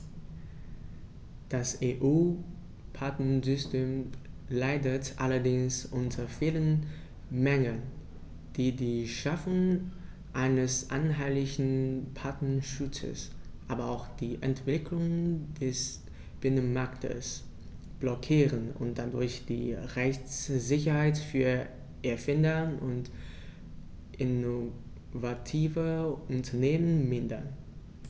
Das EU-Patentsystem leidet allerdings unter vielen Mängeln, die die Schaffung eines einheitlichen Patentschutzes, aber auch die Entwicklung des Binnenmarktes blockieren und dadurch die Rechtssicherheit für Erfinder und innovative Unternehmen mindern.